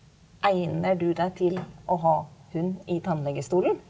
egner du deg til å ha hund i tannlegestolen?